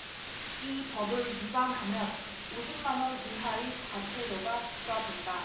이 법을 위반하면 오십 만원 이하의 과태료가 부과된다